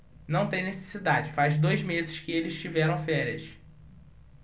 não tem necessidade faz dois meses que eles tiveram férias